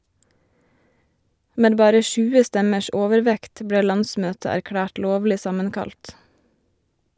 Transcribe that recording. Med bare 20 stemmers overvekt ble landsmøtet erklært lovlig sammenkalt.